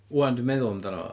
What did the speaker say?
ŵan, 'dw i'n meddwl amdano fo.